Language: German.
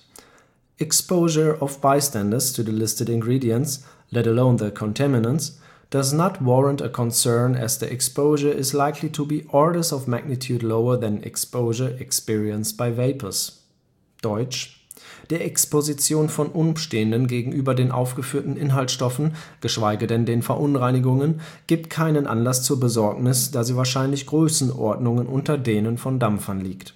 Exposure of bystanders to the listed ingredients, let alone the contaminants, does not warrant a concern as the exposure is likely to be orders of magnitude lower than exposure experienced by vapers” „ Die Exposition von Umstehenden gegenüber den aufgeführten Inhaltsstoffen, geschweige denn den Verunreinigungen, gibt keinen Anlass zur Besorgnis, da sie wahrscheinlich Größenordnungen unter denen von Dampfern liegt